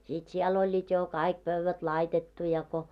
sitten siellä olivat jo kaikki pöydät laitettu ja kun